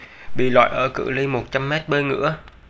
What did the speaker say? bị loại ở cự ly một trăm mét bơi ngửa